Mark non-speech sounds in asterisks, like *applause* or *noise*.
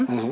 *hesitation* *hesitation*